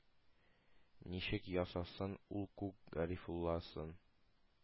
Ничек ясасын ул Күке Гарифулласын?!